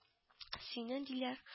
Сине, диләр